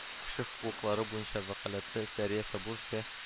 Кеше хокуклары буенча вәкаләтле сәрия сабурская